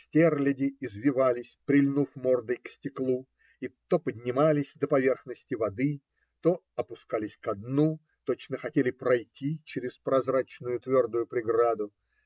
стерляди извивались, прильнув мордой к стеклу, и то поднимались до поверхности воды, то опускались ко дну, точно хотели пройти через прозрачную твердую преграду